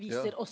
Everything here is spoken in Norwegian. ja.